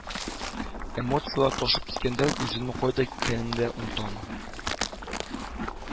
Эмоцияләр ташып киткәндә, үземнең кайда икәнемне дә онытам